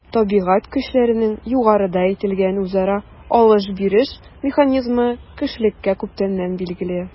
Табигать көчләренең югарыда әйтелгән үзара “алыш-биреш” механизмы кешелеккә күптәннән билгеле.